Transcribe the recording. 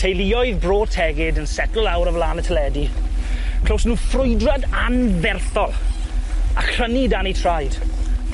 teuluoedd Bro Tegid yn setlo lawr o flan y teledu clywson nw ffrwydrad anferthol, a chryni dan eu traed.